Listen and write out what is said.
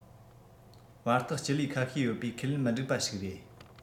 བར ཐག སྤྱི ལེ ཁ ཤས ཡོད པའི ཁས ལེན མི འགྲིག པ ཞིག རེད